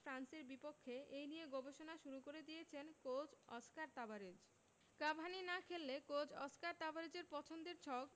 ফ্রান্সের বিপক্ষে এই নিয়ে গবেষণা শুরু করে দিয়েছেন কোচ অস্কার তাবারেজ কাভানি না খেললে কোচ অস্কার তাবারেজের পছন্দের ছক